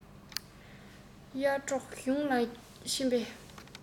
ཡར འབྲོག གཞུང ལ ཕྱིན པས